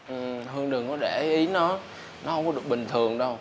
ừ hương đừng có để ý nó nó không có được bình thường đâu